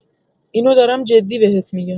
اینو دارم جدی بهت می‌گم.